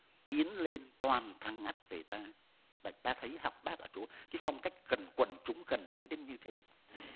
tiến lên toàn thắng ắt về ta mà ta phải học bác ở chỗ cái phong cách gần quần chúng gần gũi đến như thế